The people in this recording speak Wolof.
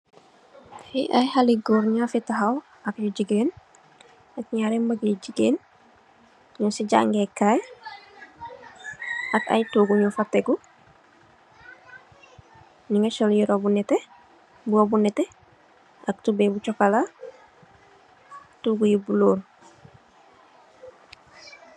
Fee aye haleh goor nufe tahaw ak yu jegain ak nyari mag yu jegain nugse jagekay ak aye toogu nufa tego nuge sol yere bu neteh muba bu neteh ak tubaye bu cukola toogu yu bulo.